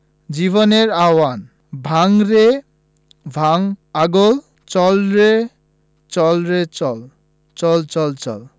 জীবনের আহবান ভাঙ রে ভাঙ আগল চল রে চল রে চল চল চল চল